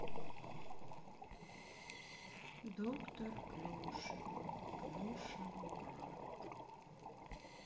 доктор плюшева плюшевоград